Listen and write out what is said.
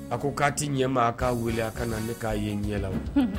A ko k'a ti ɲɛ n ma a ka wele a ka na ne ka ye n ɲɛ na wa?